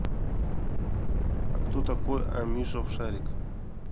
а кто такой амишов шарик